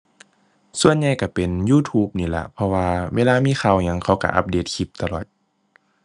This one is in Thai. ส่วนใหญ่ก็เป็น YouTube นี่ล่ะ เพราะว่าเวลามีข่าวหยังเขาก็อัปเดตคลิปตลอด